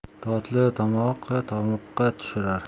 totli tomoq tamuqqa tushirar